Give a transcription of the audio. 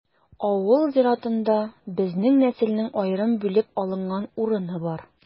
Авыл зиратында безнең нәселнең аерым бүлеп алган урыны бар.